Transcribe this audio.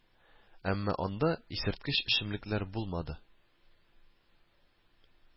Әмма анда исерткеч эчемлекләр булмады